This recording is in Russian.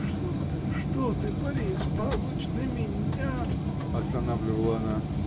— Что ты, что ты, Борис Павлыч, — на меня!. — останавливала она.